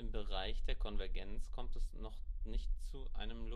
Bereich der Konvergenz kommt es noch nicht zu einem Luftmassenwechsel